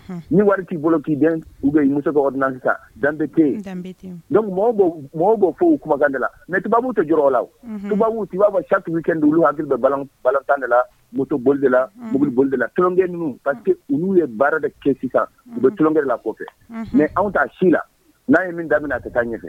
Ni wari t'i bolo k'i u bɛ muso danbete mɔgɔw b'o fɔ uu kumakanda la mɛ tu tɛ jɔyɔrɔw la tu tuba sa tun kɛ olu hakili bɛ tan de lato boli dela muolila tulonkɛ ninnu pa olu ye baara de kɛ u bɛ tulonkɛla kɔfɛ mɛ anw ta si la n'a ye min daminɛ ka taa ɲɛ